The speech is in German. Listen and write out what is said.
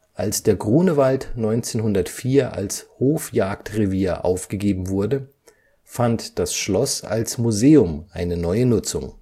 Als der Grunewald 1904 als Hofjagdrevier aufgegeben wurde, fand das Schloss als Museum eine neue Nutzung